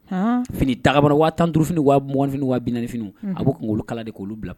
Fini ta waa tan duuruurufini waa mf waa binfini a b'u kunkolo kala de k'olu bila